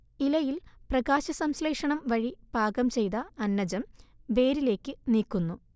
ഇലയിൽ പ്രകാശസംശ്ലേഷണം വഴി പാകം ചെയ്ത അന്നജം വേരിലേക്ക് നീക്കുന്നു